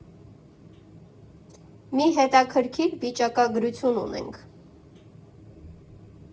Մի հետաքրքիր վիճակագրություն ունենք.